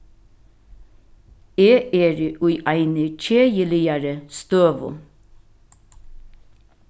eg eri í eini keðiligari støðu